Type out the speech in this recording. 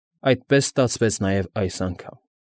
Այդպես ստացվեց նաև այս անգամ։